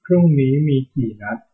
พรุ่งนี้มีกี่นัด